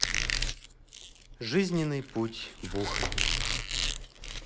жизненный путь бухани